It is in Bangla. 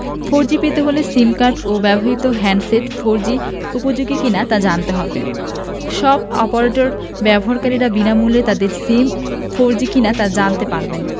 ফোরজি পেতে হলে সিম কার্ড ও ব্যবহৃত হ্যান্ডসেট ফোরজি উপযোগী কিনা তা জানতে হবে সব অপারেটরের ব্যবহারকারীরা বিনামূল্যে তাদের সিম ফোরজি কিনা তা জানতে পারবেন